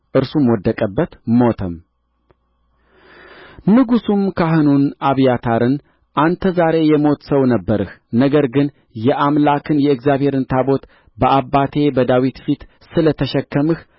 እርሱም ወደቀበት ሞተም ንጉሡም ካህኑን አብያታርን አንተ ዛሬ የሞት ሰው ነበርህ ነገር ግን የአምላክን የእግዚአብሔርን ታቦት በአባቴ በዳዊት ፊት ስለ ተሸከምህ